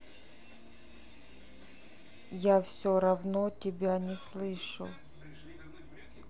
я все равно тебя не слышу